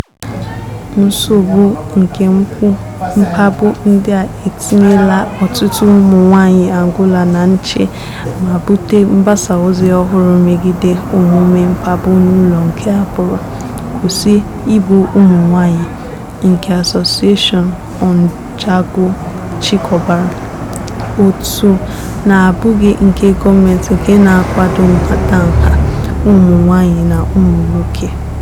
Nsogbu nke mpụ mkpagbu ndị a etinyeela ọtụtụ ụmụ nwaanyị Angola na nche ma bute mgbasa ozi ọhụrụ megide omume mkpagbu n'ụlọ nke a kpọrọ "Kwụsị Igbu Ụmụ Nwaanyị," nke Association Ondjango chịkọbara, òtù na-abụghị nke gọọmentị nke na-akwado nhatanha ụmụ nwaanyị na ụmụ nwoke.